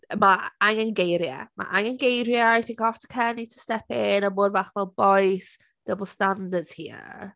Mae angen geiriau. Mae angen geiriau, I think aftercare needs to step in a bod bach fel, "Bois double standards here."